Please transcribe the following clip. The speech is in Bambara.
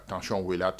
Tension weele a t